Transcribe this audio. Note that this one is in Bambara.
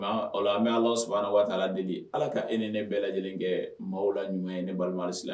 Ŋa ola an bɛ Alahu Subahanahu wataala deli Ala ka e ni ne bɛɛ lajɛlen kɛɛ maaw la ɲuman ye ne balima alisila